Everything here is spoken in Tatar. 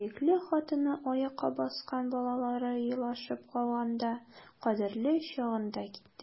Сөекле хатыны, аякка баскан балалары елашып калганда — кадерле чагында китте!